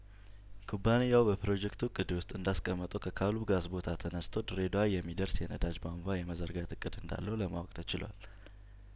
ኩባንያው በፕሮጀክቱ እቅድ ውስጥ እንዳስቀመጠው ከካሉብ ጋዝ ቦታ ተነስቶ ድሬዳዋ የሚደርስ የነዳጅ ቧንቧ የመዘርጋት እቅድ እንዳለው ለማወቅ ተችሏል